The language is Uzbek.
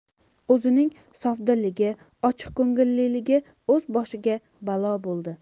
o'zining sofdilligi ochiqko'ngilligi o'z boshiga balo bo'ldi